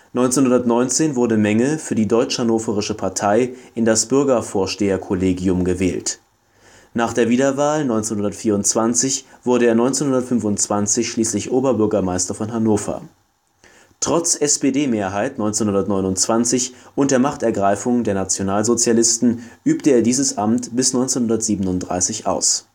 1919 wurde Menge für die Deutsch-Hannoversche Partei in das Bürgervorsteherkollegium gewählt. Nach der Wiederwahl 1924 wurde er 1925 schließlich Oberbürgermeister von Hannover. Trotz SPD-Mehrheit 1929 und der Machtergreifung der Nationalsozialisten übte er dieses Amt bis 1937 aus